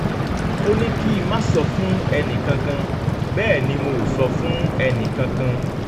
”Ó ní ki máa sọ fún ẹnìkankan, bẹ́ẹ̀ ni mo ‘ò sọ fún ẹnìkankan.”